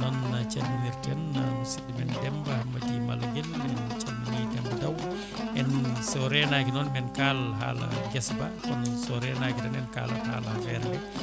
noon calminirten musidɗo men Demba mo Dimaloguel en calminiDemba Guaw en so renaki noon kaal haala guesa ba so renaki tan en kalata haala affaire